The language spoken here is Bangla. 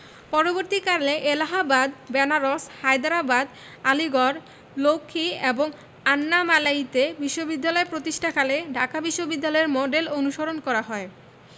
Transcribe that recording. পরবর্তীকালে এলাহাবাদ বেনারস হায়দ্রাবাদ আলীগড় লক্ষী এবং আন্নামালাইতে বিশ্ববিদ্যালয় প্রতিষ্ঠাকালে ঢাকা বিশ্ববিদ্যালয়ের মডেল অনুসরণ করা হয়